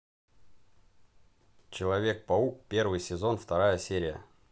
человек паук первый сезон вторая серия